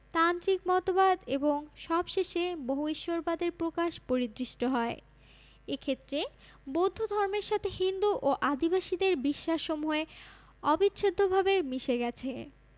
তান্ত্রিক মতবাদ এবং সবশেষে বহু ঈশ্বরবাদের প্রকাশ পরিদৃষ্ট হয় এক্ষেত্রে বৌদ্ধধমের্র সাথে হিন্দু ও আদিবাসীদের বিশ্বাসসমূহ অবিচ্ছেদ্যভাবে মিশে গেছে